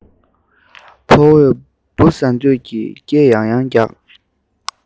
ཕོ བས འབུ ཟ འདོད ཀྱི སྐད ཡང ཡང རྒྱག